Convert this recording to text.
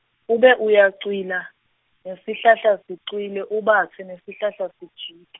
ube uyacwila, nesihlahla sicwile ubatse nesihlahla sijike.